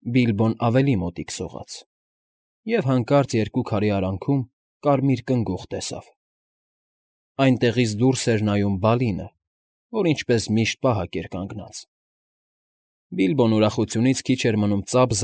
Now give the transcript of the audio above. Բիլբոն ավելի մոտիկ սողաց, և հանկարծ երկու քարի արանքում կարմիր կնգուղ տեսավ. այնտեղից դուրս էր նայում Բալին, որ, ինչպես միշտ, պահակ էր կանգնած։